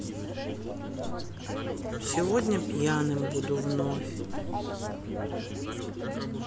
сегодня пьяным буду вновь